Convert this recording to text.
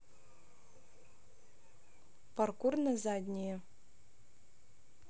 паркур на здании